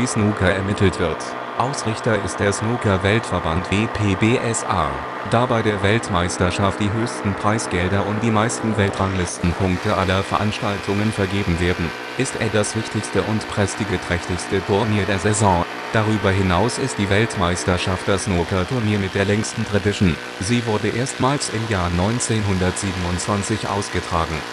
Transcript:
Profi-Snooker ermittelt wird. Ausrichter ist der Snooker-Weltverband WPBSA. Da bei der Weltmeisterschaft die höchsten Preisgelder und die meisten Weltranglistenpunkte aller Veranstaltungen vergeben werden, ist es das wichtigste und prestigeträchtigste Turnier der Saison. Darüber hinaus ist die Weltmeisterschaft das Snookerturnier mit der längsten Tradition, sie wurde erstmals im Jahr 1927 ausgetragen